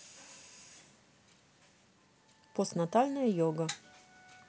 постнатальная йога